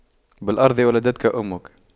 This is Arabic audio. بالأرض ولدتك أمك